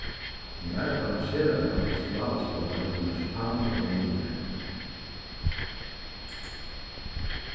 mær dámar sera væl føstulávintsbollar við marsipani og vaniljukremi